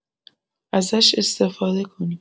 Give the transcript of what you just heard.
ازش استفاده کنیم.